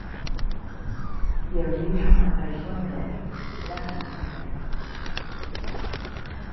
เดี๋ยวนี้ทำอะไรก็เหนื่อยและหายใจลำบาก